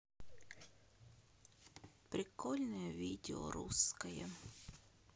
прикольное видео русское